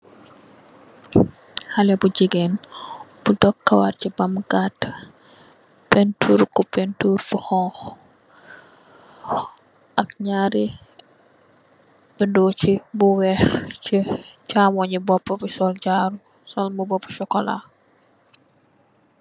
Xalèh bu jigeen bu dok kawarr bi bam gatta, pentir ko pentir bu xonxu ak ñaari bindu ci bu wèèx ci caaymoy yi bopú bi, sol jaru sol mbuba bu sokola.